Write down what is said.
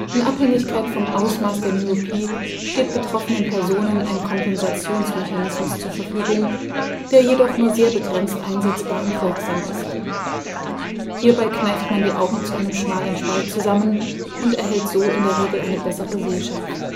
In Abhängigkeit vom Ausmaß der Myopie steht betroffenen Personen ein Kompensationsmechanismus zur Verfügung, der jedoch nur sehr begrenzt einsetzbar und wirksam ist. Hierbei kneift man die Augen zu einem schmalen Spalt zusammen und erhält so in der Regel eine bessere Sehschärfe